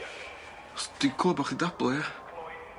'Chos dwi'n clŵad bo' chi'n dablo ia?